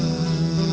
a